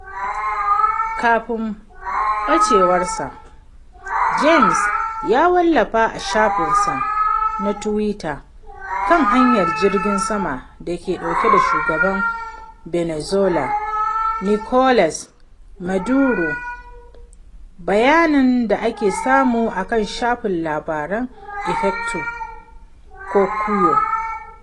Kafin bacewarsa, Jaimes ya wallafa a shafin sa na tuwita kan hanyar jirgin sama da ke ɗauke da shugaban Venezuela Nicolas Maduro, bayanin da ake samu a kan shafin labaran Efecto Cocuyo.